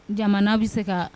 Jamana bɛ se ka